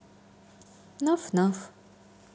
наф наф